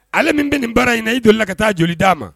Ale min bɛ nin baara in ii don la ka taa joli d'a ma